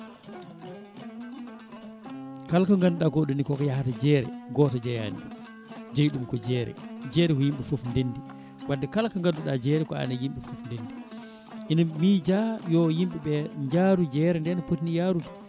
kala ko ganduɗa koɗoni koko yaahata jeere goto jeeyani jeeyi ɗum ko jeere jeer ko yimɓe foof ndendi wadde kala ko gadduɗa jeere ko an yimɓe foof ndendi ene miija yo yimɓeɓe jaaru jeere nde no pooti ni yaarude